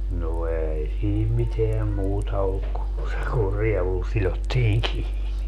no ei siinä mitään muuta ollut kuin se kun rievulla sidottiin kiinni